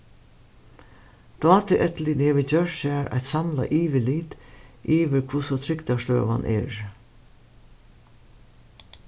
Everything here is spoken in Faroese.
dátueftirlitið hevur gjørt sær eitt samlað yvirlit yvir hvussu trygdarstøðan er